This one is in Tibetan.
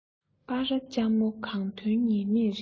སྤ ར ལྕ མོ གང ཐོན ངེས མེད རེད